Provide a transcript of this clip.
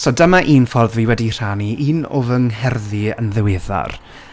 So dyma un ffordd fi wedi rhannu un o fy ngherddi yn ddiweddar.